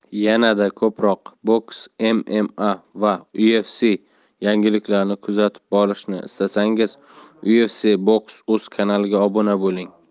yanada ko'proq boks mma va ufc yangiliklarini kuzatib borishni istasangiz ufcboxuz kanaliga obuna bo'ling